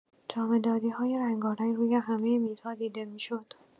جامدادی‌های رنگارنگ روی همه میزها دیده می‌شد.